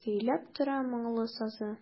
Көйләп тора моңлы сазы.